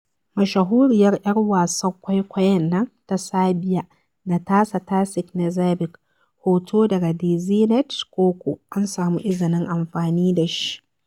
Mashahuriyar 'yar wasan kwaikwayon nan ta Serbia Natasa Tsic Knezeɓic, hoto daga Dzenet Koko, an samu izinin amfani da shi.